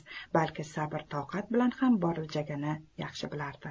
balki sabr toqat bilan ham borilajagini yaxshi bilardi